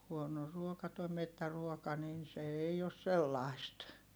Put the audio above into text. huono ruoka tuo metsäruoka niin se ei ole sellaista